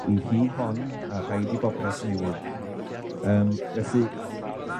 I hi hon a rhaid i bopeth newid. Yym felly...